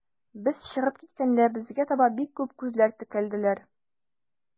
Без чыгып киткәндә, безгә таба бик күп күзләр текәлделәр.